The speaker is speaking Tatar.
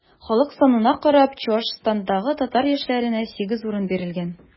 Халык санына карап, Чуашстандагы татар яшьләренә 8 урын бирелгән.